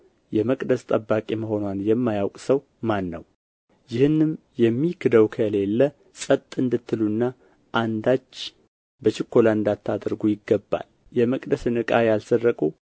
የመቅደስ ጠባቂ መሆንዋን የማያውቅ ሰው ማን ነው ይህንም የሚክደው ከሌለ ጸጥ እንድትሉና አንዳች በችኮላ እንዳታደርጉ ይገባል የመቅደስን ዕቃ ያልሰረቁ